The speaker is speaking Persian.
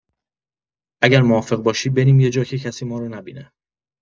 اگه موافق باشی بریم یه جا که کسی مارو نبینه.